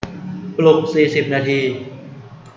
ปลุกสี่สิบนาที